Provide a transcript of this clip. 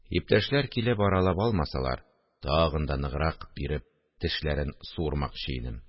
Иптәшләр килеп, аралап алмасалар, тагын да ныграк биреп, тешләрен суырмакчы идем